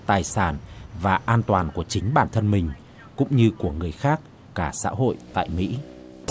tài sản và an toàn của chính bản thân mình cũng như của người khác cả xã hội tại mỹ